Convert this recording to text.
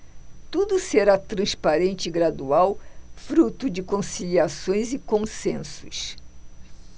tudo será transparente e gradual fruto de conciliações e consensos